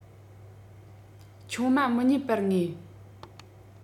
ཆུང མ མི རྙེད པར ངེས